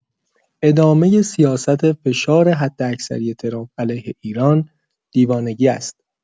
ادامه سیاست فشار حداکثری ترامپ علیه ایران دیوانگی است.